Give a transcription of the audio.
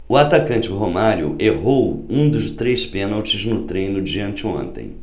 o atacante romário errou um dos três pênaltis no treino de anteontem